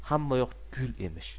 hammayoq gul emish